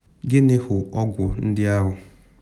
“Gịnị hụ ọgwụ ndị ahụ?